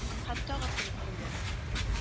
Һәм тагын көлеп куйды